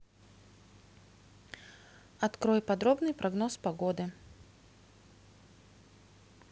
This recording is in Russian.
открой подробный прогноз погоды